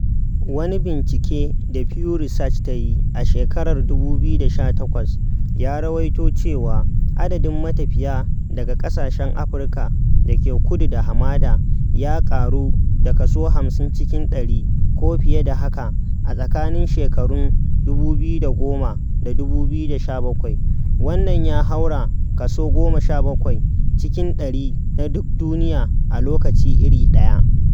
Wani bincike da Pew Research ta yi a shekarar 2018 ya rawaito cewa adadin matafiya daga ƙasashen Afirka da ke kudu da hamada "ya ƙaru da kaso 50 cikin ɗari ko fiye da haka tsakanin shekarun 2010 da 2017, wannan ya haura kaso 17 cikin ɗari na duk duniya a lokaci iri ɗaya".